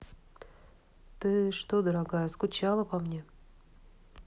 ты что дорогая скучала по мне